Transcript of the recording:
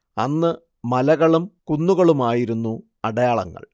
അന്ന് മലകളും കുന്നുകളുമായിരുന്നു അടയാളങ്ങൾ